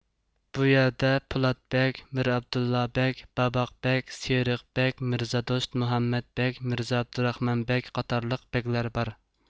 بۇ يەردە پولات بەگ مىرئابدۇللا بەگ باباق بەگ سېرىق بەگ مىرزادوست مۇھەممەت بەگ مىرزائابدۇراخمان بەگ قاتارلىق بەگلەر بار